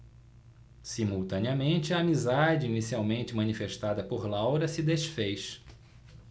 simultaneamente a amizade inicialmente manifestada por laura se disfez